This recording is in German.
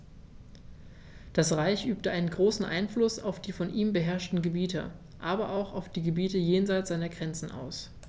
Das Reich übte einen großen Einfluss auf die von ihm beherrschten Gebiete, aber auch auf die Gebiete jenseits seiner Grenzen aus.